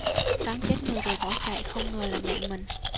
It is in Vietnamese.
cán chết người rồi bỏ chạy không ngờ là mẹ mình